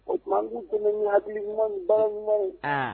O tuma an k'u dɛmɛ ni hakili ɲuman ni baara ɲuman ye aa